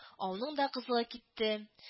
Ауның да кызыгы китте